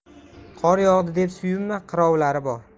qor yog'di deb suyunma qirovlari bor